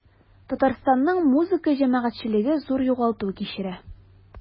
Татарстанның музыка җәмәгатьчелеге зур югалту кичерә.